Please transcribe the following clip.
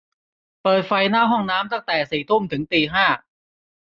เปิดไฟหน้าห้องน้ำตั้งแต่สี่ทุ่มถึงตีห้า